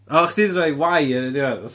Oeddech chdi wedi rhoi Y ar y diwedd fatha...